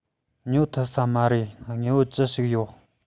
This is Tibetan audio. ཉོ ཐུབ ས མ རེད དངོས པོ ཅི ཞིག ཡོད